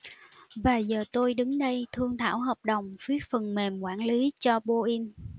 và giờ tôi đứng đây thương thảo hợp đồng viết phần mềm quản lý cho boeing